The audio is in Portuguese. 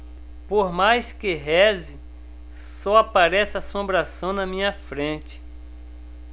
por mais que reze só aparece assombração na minha frente